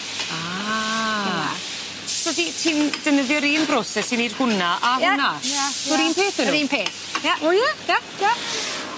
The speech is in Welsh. Ah! Fel 'na. So di- ti'n defnyddio'r un broses i neud hwnna a hwnna? Ie ie ie. Yr un peth 'dyn nw? Yr un peth. Ia. O ie? Ie ie